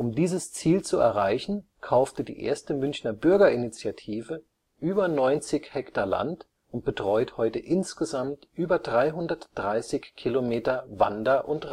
dieses Ziel zu erreichen, kaufte die erste Münchner Bürgerinitiative über 90 Hektar Land und betreut heute insgesamt über 330 Kilometer Wander - und